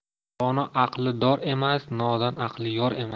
dono aqli dor emas nodon aqli yor emas